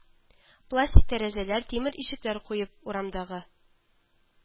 Пластик тәрәзәләр, тимер ишекләр куеп урамдагы